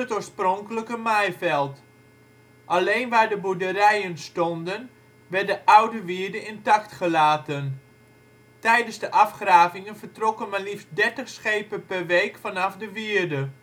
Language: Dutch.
oorspronkelijke maaiveld. Alleen waar de boerderijen stonden werd de oude wierde intact gelaten. Tijdens de afgravingen vertrokken maar liefst 30 schepen per week vanaf de wierde